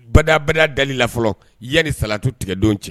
Bada baba dali la fɔlɔ yanni salatu tigɛ don cɛ.